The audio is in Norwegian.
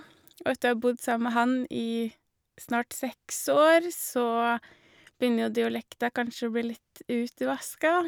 Og etter å ha bodd sammen med han i snart seks år så begynner jo dialekten kanskje å bli litt utvaska.